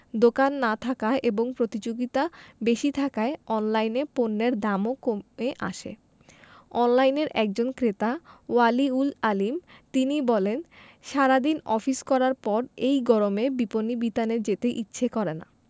দোকান না থাকা এবং প্রতিযোগিতা বেশি থাকায় অনলাইনে পণ্যের দামও কমে আসে অনলাইনের একজন ক্রেতা ওয়ালি উল আলীম তিনি বলেন সারা দিন অফিস করার পর এই গরমে বিপণিবিতানে যেতে ইচ্ছে করে না